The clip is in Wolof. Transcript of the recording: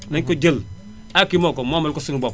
nañu ko jël aakimoo ko moomal ko suñu bopp